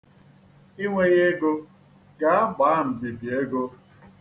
I nweghị ego, gaa gbaa mbibi.